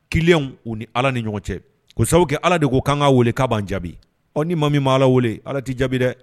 Kilenw u ni Ala ni ɲɔgɔn cɛ, k'o sababu kɛ Ala de ko k'an k'a wele k'a b'an jaabi, ɔ ni maa min ma Ala wele, Ala t'i jaabi dɛ